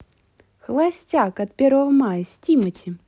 холостяк от первого мая с тимати